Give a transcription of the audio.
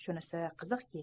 shunisi qiziqki